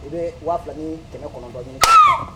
I bee 2000 ni 900 ni